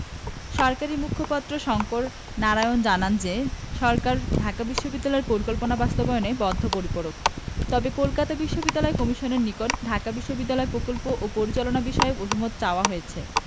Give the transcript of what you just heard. সরকারি মুখপাত্র শঙ্কর নারায়ণ জানান যে সরকার ঢাকা বিশ্ববিদ্যালয় পরিকল্পনা বাস্তবায়নে বদ্ধপরিকর তবে কলকাতা বিশ্ববিদ্যালয় কমিশনের নিকট ঢাকা বিশ্ববিদ্যালয় প্রকল্প ও পরিচালনা বিষয়ে অভিমত চাওয়া হয়েছে